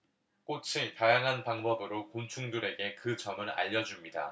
꽃이 다양한 방법으로 곤충들에게 그 점을 알려 줍니다